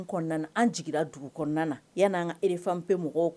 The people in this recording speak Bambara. Kɔnɔna an dugu kɔnɔna yan' an rerfan bɛ mɔgɔw kan